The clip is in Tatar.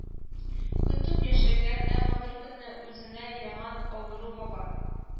Көтеп яшәгән, әмма беркөнне үзенә яман авыру – ваба